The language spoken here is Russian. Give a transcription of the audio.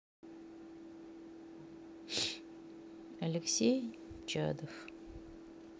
алексей чадов